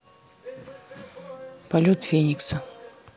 полет феникса